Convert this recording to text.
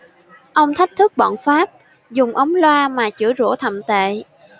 ông thách thức bọn pháp dùng ống loa mà chửi rủa thậm tệ